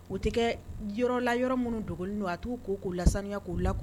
O tɛ kɛɛ yɔrɔla yɔrɔ minnu dogolen do a t'u ko k'o la sanuya k'o la k